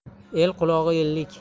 el qulog'i ellik